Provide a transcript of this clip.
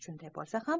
shunday bo'lsa ham